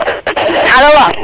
alo waaw